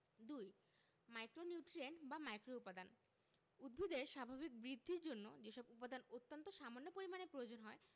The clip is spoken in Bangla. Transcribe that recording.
২ মাইক্রোনিউট্রিয়েন্ট বা মাইক্রোউপাদান উদ্ভিদের স্বাভাবিক বৃদ্ধির জন্য যেসব উপাদান অত্যন্ত সামান্য পরিমাণে প্রয়োজন হয়